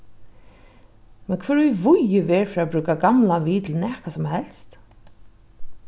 men hvør í víðu verð fer at brúka gamlan við til nakað sum helst